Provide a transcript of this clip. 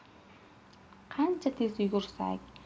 qancha tez yugursak